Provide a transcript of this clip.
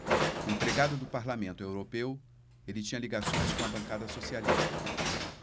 empregado do parlamento europeu ele tinha ligações com a bancada socialista